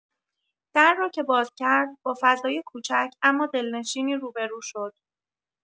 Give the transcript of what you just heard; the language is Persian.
در را که باز کرد، با فضای کوچک اما دلنشینی روبرو شد.